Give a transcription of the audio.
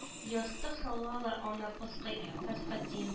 Ястык салалар аны пыскый фәсхетдин